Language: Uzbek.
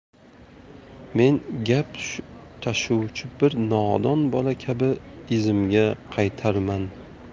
men gap tashuvchi bir nodon bola kabi izimga qaytarman